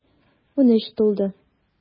Унөч тулды.